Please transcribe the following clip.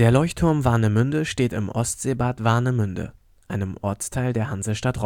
Leuchtturm Warnemünde steht im Ostseebad Warnemünde, einem Ortsteil der Hansestadt